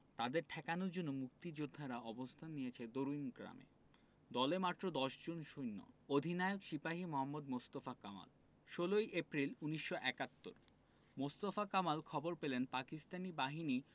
তাদের ঠেকানোর জন্য মুক্তিযোদ্ধারা অবস্থান নিয়েছেন দরুইন গ্রামে দলে মাত্র দশজন সৈন্য অধিনায়ক সিপাহি মোহাম্মদ মোস্তফা কামাল ১৬ এপ্রিল ১৯৭১ মোস্তফা কামাল খবর পেলেন পাকিস্তানি বাহিনী